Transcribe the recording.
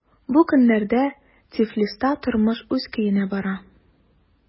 Бу көннәрдә Тифлиста тормыш үз көенә бара.